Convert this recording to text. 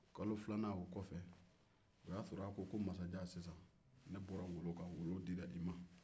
kalo filanan o kɔ fɛ a y'a sɔrɔ a ko masajan sisan ne bɔra wolo kan